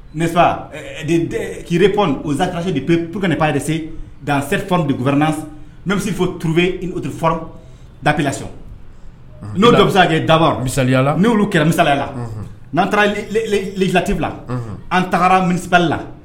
Nesa k kiek ozse ppkba dese nkasɛri deana no bɛ se fɔ turube tɛ fɔlɔ dafela sɔn n'o dɔ bɛ se ka dabɔ misaliyala n'olu kɛlɛ misalala n'an taara llilati bila an tagara minisili la